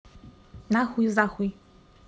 нахуй захуй